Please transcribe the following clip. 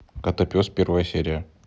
котопес первая серия